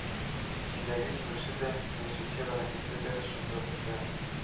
Җиләге-җимеше дә, яшелчә-бәрәңгесе дә шунда үсә